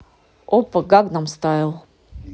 оппа гангнам стайл